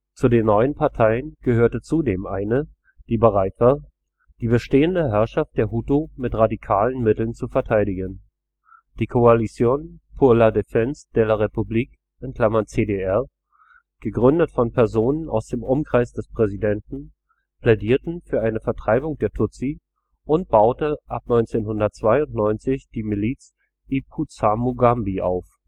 Zu den neuen Parteien gehörte zudem eine, die bereit war, die bestehende Herrschaft der Hutu mit radikalen Mitteln zu verteidigen. Die Coalition pour la Défense de la République (CDR), gegründet von Personen aus dem Umkreis des Präsidenten, plädierte für eine Vertreibung der Tutsi und baute ab 1992 die Miliz Impuzamugambi auf